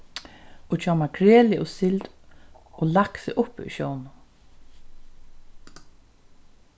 og hjá makreli og sild og laksi uppi í sjónum